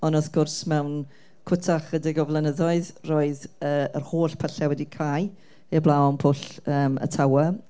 Ond, wrth gwrs, mewn cwta chydig flynyddoedd, roedd yy yr holl pyllau wedi cael eu heblaw am pwll yym y Tawe